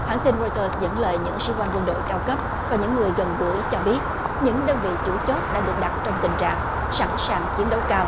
hãng tin roi tơ dẫn lời những sĩ quan quân đội cao cấp và những người gần gũi cho biết những đơn vị chủ chốt đã được đặt trong tình trạng sẵn sàng chiến đấu cao